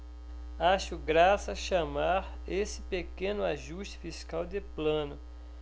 acho graça chamar esse pequeno ajuste fiscal de plano